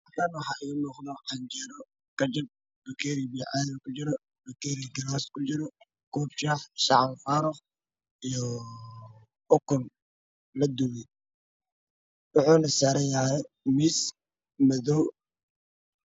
Halakan waxaa ii muuqda canjeero bakeeri biyo caadi ku jiraan bakeeri galas ku jira koob shaax shaax alfaaro iyo ukun laduway waxuuna saaranyahay miis madow